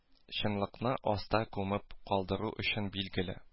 Чынлыкны аста күмеп калдыру өчен билгеле